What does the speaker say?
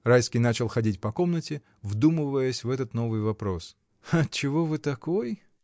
Райский начал ходить по комнате, вдумываясь в этот новый вопрос. — Отчего вы такой?